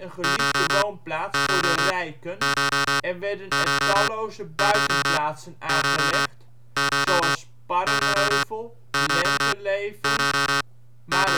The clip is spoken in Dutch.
geliefde woonplaats voor de rijken en werden er talloze buitenplaatsen aangelegd, zoals Sparrenheuvel, Lenteleven, Ma